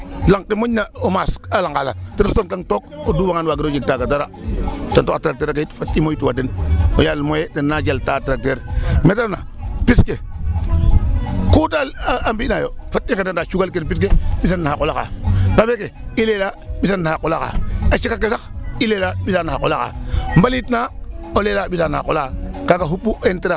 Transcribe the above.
Ndaa lang ɓor ɓor ke o jiqtangaan a tracteur lang ke moƴna o maasa lang ala ta sutoodkang took o dufangan waagiro jeg taaga dara ten taxu a tracteur ake tamit fat i moytuwaa den o yaal moyen ten naa jaltaa tracteur me ta refna pis ke ku da mbi'naayo fat i nqendana cugal ke pind ke ɓisan na xa qol axa pambe ke i leelaa ɓisan na xa qol axa, a cek ake sax i leelaa ɓisa naxa qola xa mbalit na leelaa ɓisa na xa qol axa kaaga xupu interet xaye .